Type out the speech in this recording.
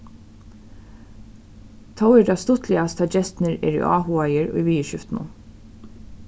tó er tað stuttligast tá gestirnir eru áhugaðir í viðurskiftunum